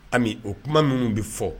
Ami, o kuma minnu bɛ fɔ